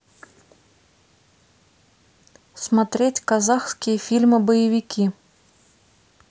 смотреть казахские фильмы боевики